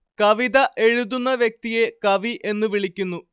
കവിത എഴുതുന്ന വ്യക്തിയെ കവി എന്നു വിളിക്കുന്നു